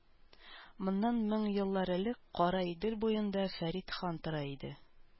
Моннан мең еллар элек Кара Идел буенда Фәрит хан тора иде.